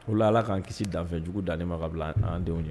O la Ala k'an kisi danfɛnjugu danni ma k'a bila an' denw ɲɛ